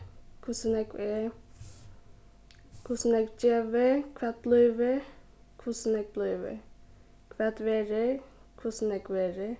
hvussu nógv er hvussu nógv gevur hvat blívur hvussu nógv blívur hvat verður hvussu nógv verður